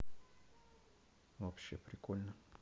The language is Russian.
вообще прикольно